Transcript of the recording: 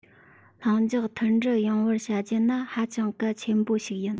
ལྷིང འཇགས མཐུན སྒྲིལ ཡོང བར བྱ རྒྱུ ནི ཧ ཅང གལ ཆེན པོ ཞིག ཡིན